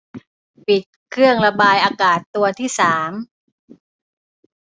ปิดเครื่องระบายอากาศตัวที่สาม